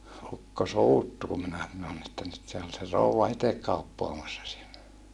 ukko suuttui kun minä sanoin että nyt se oli se rouva itse kauppaamassa siellä